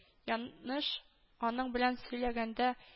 Яныш аның белән сөйләгәндә